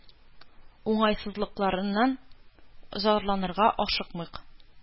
Уңайсызлыкларыннан зарланырга ашыкмыйк.